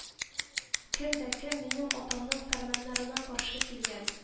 — кем дә кем минем атамның фәрманнарына каршы килгән